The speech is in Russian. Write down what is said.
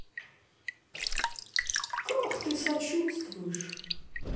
как ты сочувствуешь